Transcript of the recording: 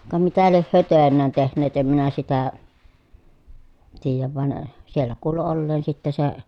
ka mitä lie he töinään tehneet en minä sitä tiedä vaan siellä kuului olleen sitten se